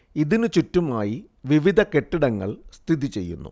ഇതിനു ചുറ്റുമായി വിവിധ കെട്ടിടങ്ങൾ സ്ഥിതിചെയ്യുന്നു